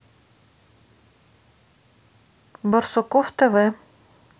барсуков тв